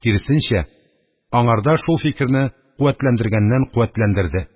Киресенчә, аңарда шул фикерне куәтләндергәннән-куәтләндерде.